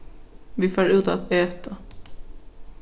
vit fara út at eta